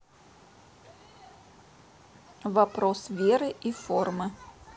вопросы веры и формы